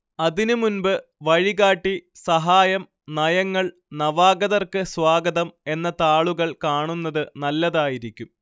അതിനുമുൻപ്‌ വഴികാട്ടി സഹായം നയങ്ങൾ നവാഗതർക്ക്‌ സ്വാഗതം എന്ന താളുകൾ കാണുന്നത്‌ നല്ലതായിരിക്കും